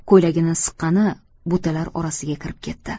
ko'ylagini siqqani butalar orasiga kirib ketdi